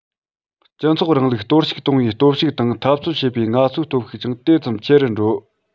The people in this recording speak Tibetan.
སྤྱི ཚོགས རིང ལུགས གཏོར བཤིག གཏོང བའི སྟོབས ཤུགས དང འཐབ རྩོད བྱེད པའི ང ཚོའི སྟོབས ཤུགས ཀྱང དེ ཙམ ཆེ རུ འགྲོ